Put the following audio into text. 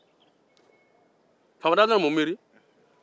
faama dah nana mun miiri